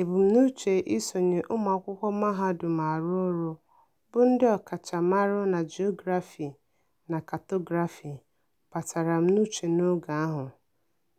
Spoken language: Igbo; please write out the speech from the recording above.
Ebumnuche isonye ụmụakwụkwọ mahadum arụ ọrụ, bụ ndị ọkachamara na Geography/Cartography batara m n'uche n'oge ahụ,